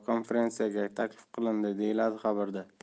konferensiyaga taklif qilindi deyiladi xabarda